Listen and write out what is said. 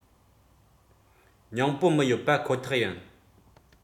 ཉིང པོ མི ཡོད པ ཁོ ཐག ཡིན